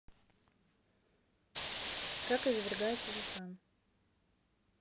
как извергается вулкан